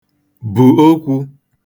bù okwū